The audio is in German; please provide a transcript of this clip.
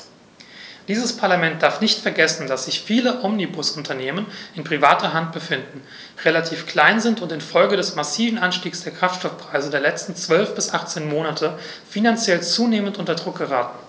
Dieses Parlament darf nicht vergessen, dass sich viele Omnibusunternehmen in privater Hand befinden, relativ klein sind und in Folge des massiven Anstiegs der Kraftstoffpreise der letzten 12 bis 18 Monate finanziell zunehmend unter Druck geraten.